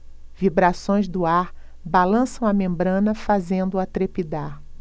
vibrações do ar balançam a membrana fazendo-a trepidar